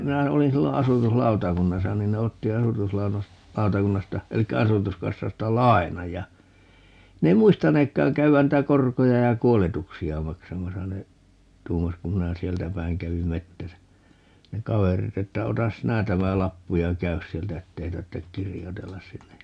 minä olin silloin asutuslautakunnassa niin ne otti - asutuslautakunnasta eli asutuskassasta lainan ja ne ei muistaneetkaan käydä niitä korkoja ja kuoletuksia maksamassa ne tuumasi kun minä sieltä päin kävin metsässä ne kaverit että ota sinä tämä lappu ja käy sieltä että ei tarvitse kirjoitella sinne ja